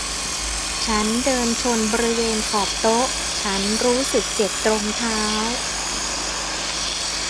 ฉันเดินชนบริเวณขอบโต๊ะฉันรู้สึกเจ็บตรงเท้า